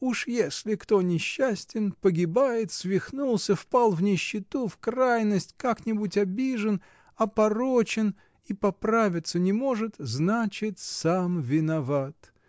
— Уж если кто несчастен, погибает, свихнулся, впал в нищету, в крайность, как-нибудь обижен, опорочен и поправиться не может, значит — сам виноват.